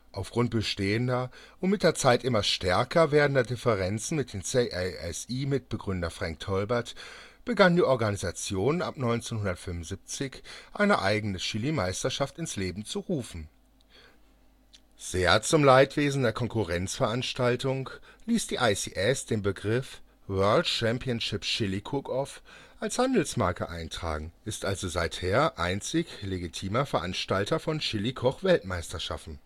Aufgrund bestehender und mit der Zeit immer stärker werdender Differenzen mit dem CASI-Mitbegründer Frank Tolbert begann die Organisation ab 1975 eine eigene Chili-Meisterschaft ins Leben zu rufen. Sehr zum Leidwesen der Konkurrenzveranstaltung ließ die ICS den Begriff World Championship Chili Cookoff als Handelsmarke eintragen, ist also seither einzig legitimer Veranstalter von Chili-Koch-Weltmeisterschaften